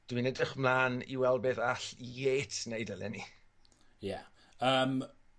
dwi'n edrych mlan i weld beth all Yates neud eleni. Ie. Yym.